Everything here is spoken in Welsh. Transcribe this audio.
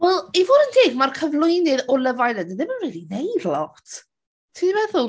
Wel i fod yn deg mae'r cyflwynydd o Love Island ddim yn really wneud lot. Tibod be fi'n meddwl?